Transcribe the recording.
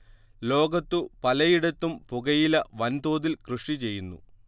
ലോകത്തു പലയിടത്തും പുകയില വൻതോതിൽ കൃഷി ചെയ്യുന്നു